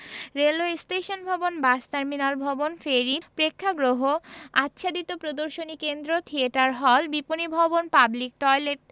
railway station ভবন bus terminal ভবন ferry প্রেক্ষাগ্রহ আচ্ছাদিত প্রদর্শনী কেন্দ্র থিয়েটার হল বিপণী ভবন পাবলিক টয়েলেট